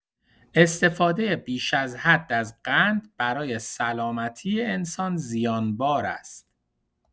استفاده بیش از حد از قند برای سلامتی انسان زیانبار است.